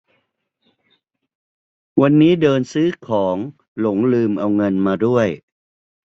วันนี้เดินซื้อของหลงลืมเอาเงินมากด้วย